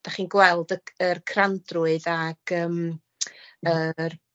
dach chi'n gweld y c- yr crandrwydd ag yym yr